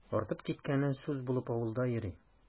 Артып киткәне сүз булып авылда йөри.